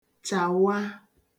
chàwa